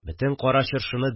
Бөтен Кара Чыршыны